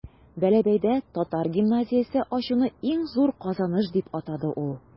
Бәләбәйдә татар гимназиясе ачуны иң зур казаныш дип атады ул.